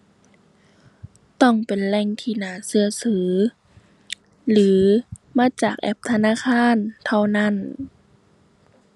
ต้องเป็นแหล่งที่น่าเชื่อถือ หรือมาจากแอปธนาคารเท่านั้น